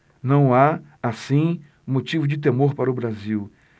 não há assim motivo de temor para o brasil